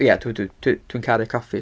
Ie, dwi dwi dwi dwi'n caru coffis.